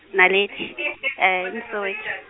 Naledi , Soweto.